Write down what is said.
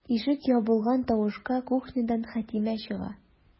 Ишек ябылган тавышка кухнядан Хәтимә чыга.